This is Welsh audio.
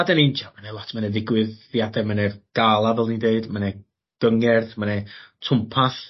a 'dan ni'n j'o' ma' 'na lot ma' 'na ddigwyddiade ma' 'ne'r gala fel fi'n deud ma' 'ne gyngerdd ma' 'ne dwmpath